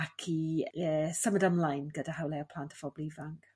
ac i e symud ymlaen gyda hawliau plant phobl ifanc.